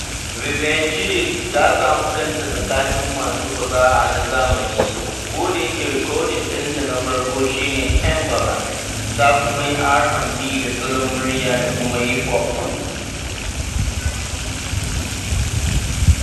Viviane Chidid ta samu kanta a tsakanin masu fasaha na zamani biyu: kodayake rikodin ɗinta na farko shi ne Mbalax, ta kuma yi R&B da salon murya da kuma hip hop.